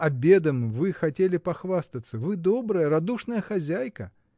Обедами вы хотели похвастаться, вы добрая, радушная хозяйка.